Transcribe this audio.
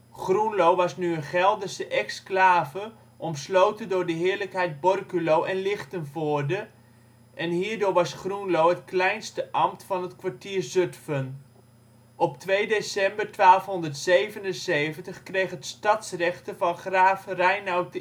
Groenlo was nu een Gelderse exclave omsloten door de heerlijkheid Borculo en Lichtenvoorde, en hierdoor was Groenlo het kleinste ambt van het kwartier Zutphen. Op 2 december 1277 kreeg het Stadsrechten van Graaf Reinoud